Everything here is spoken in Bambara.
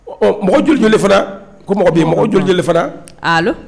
Ɔ mɔgɔ jolijele fana ko mɔgɔ bɛ mɔgɔjele fana